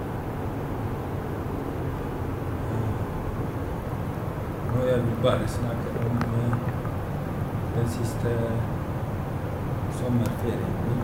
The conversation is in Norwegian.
Nå jeg vil bare snakke om den siste sommerferien min.